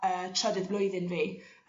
yy trydydd blwyddyn fi